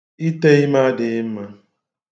Ite ime adịghị mma.